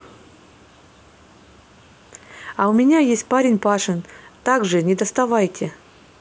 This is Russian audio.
а у меня есть парень пашин также не доставайте